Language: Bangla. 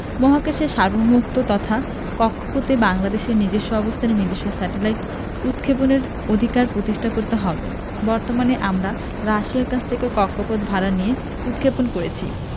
মহাকাশের সার্বভৌমত্ব তথা কক্ষপথে বাংলাদেশের নিজস্ব অবস্থানে নিজস্ব স্যাটেলাইট উৎক্ষেপণের অধিকার প্রতিষ্ঠা করতে হবে বর্তমানে আমরা রাশিয়ার কাছ থেকে কক্ষপথ ভাড়া নিয়ে উৎক্ষেপণ করেছি